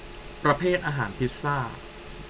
ประเภทอาหารพิซซ่า